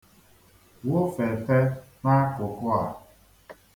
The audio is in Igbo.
Wụfete n'akụkụ a.